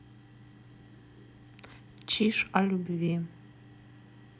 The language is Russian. чиж о любви